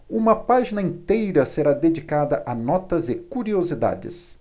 uma página inteira será dedicada a notas e curiosidades